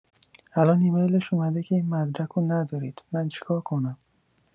الان ایمیلش اومده که این مدرکو ندارید من چیکار کنم؟